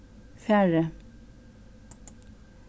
fari